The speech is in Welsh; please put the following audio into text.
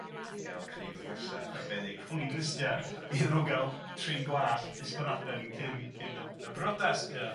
i ga'l cryb y gwella arbennig rhwng 'i glustia iddyn nw ga'l trin gwallt Ysbyddaden cyn cyn y y brodas. Ia.